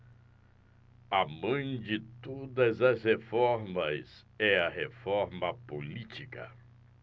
a mãe de todas as reformas é a reforma política